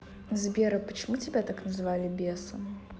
сбер а почему тебя так назвали бесом